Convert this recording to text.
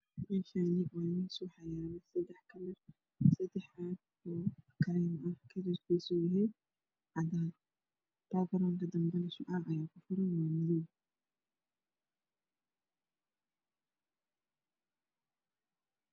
Meeshaani waa miis waxa yaalo sadex caag oo Kareem ah kalarkisa cadaan background danbo ahucaca ayaa ku furan